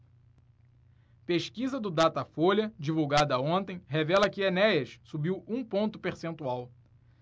pesquisa do datafolha divulgada ontem revela que enéas subiu um ponto percentual